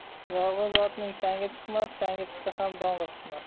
yolg'iz otning changi chiqmas changi chiqsa ham dong'i chiqmas